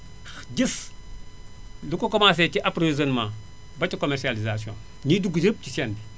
xa gis lu ko commencé ci ab * ba ca commercialisation ñiy dugg yépp si chaine bi